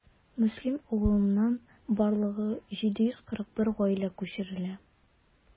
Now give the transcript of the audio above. Мөслим авылыннан барлыгы 741 гаилә күчерелә.